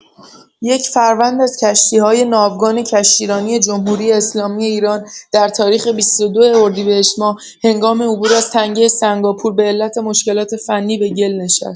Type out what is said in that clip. یک فروند از کشتی‌های ناوگان کشتیرانی جمهوری‌اسلامی ایران در تاریخ ۲۲ اردیبهشت‌ماه هنگام عبور از تنگه سنگاپور به‌علت مشکلات فنی به گل نشست.